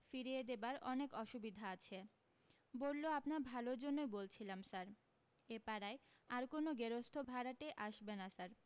ফিরিয়ে দেবার অনেক অসুবিধা আছে বললো আপনার ভালোর জন্যই বলছিলাম স্যার এ পাড়ায় আর কোনো গেরস্থ ভাড়াটে আসবে না স্যার